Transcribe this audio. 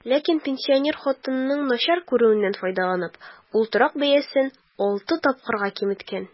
Ләкин, пенсинер хатынның начар күрүеннән файдаланып, ул торак бәясен алты тапкырга киметкән.